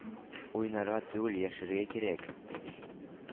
Уйнарга түгел, яшәргә кирәк.